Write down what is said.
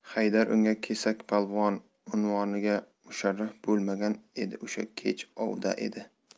haydar unda kesakpolvon unvoni ga musharraf bo'lmagan edi o'sha kech ov da edi